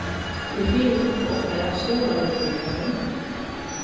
í fyritøku okkara stuðla vit hvørjum øðrum